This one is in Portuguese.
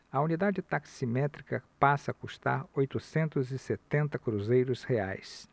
a unidade taximétrica passa a custar oitocentos e setenta cruzeiros reais